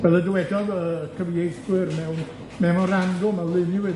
Fel y dywedodd y cyfieithwyr mewn memorandwm a luniwyd